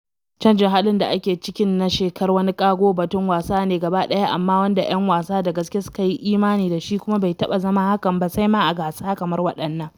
Canjin halin da ake cikin na shekar wani ƙago batun wasa ne gaba ɗaya amma wanda ‘yan wasa da gaske suka yi imani da shi, kuma bai taɓa zama hakan ba sai ma a gasa kamar waɗannan.